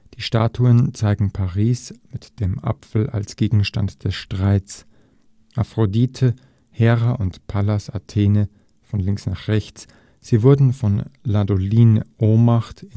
Statuen zeigen Paris mit dem Apfel als Gegenstand des Streits, Aphrodite, Hera und Pallas Athene (von links nach rechts); sie wurden von Landolin Ohmacht